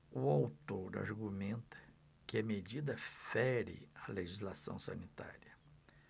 o autor argumenta que a medida fere a legislação sanitária